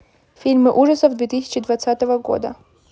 фильмы ужасов две тысячи двадцатого года